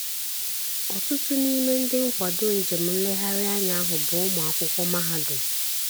Ọtụtụ n'ime ndị nkwado njem nlegharị anya bụ ụmụ akwụkwọ mahadum.